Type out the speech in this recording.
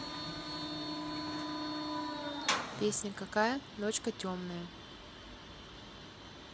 песня какая ночька темная